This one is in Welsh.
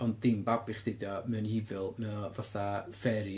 Ond dim babi chdi o, mae'n evil, mae o fatha fairy